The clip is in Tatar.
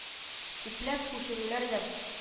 Күпләп күчерүләр дә